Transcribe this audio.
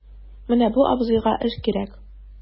Менә бу абзыйга эш кирәк...